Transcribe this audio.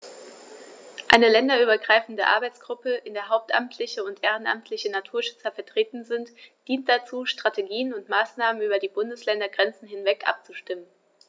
Eine länderübergreifende Arbeitsgruppe, in der hauptamtliche und ehrenamtliche Naturschützer vertreten sind, dient dazu, Strategien und Maßnahmen über die Bundesländergrenzen hinweg abzustimmen.